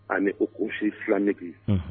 Ani'si fila nege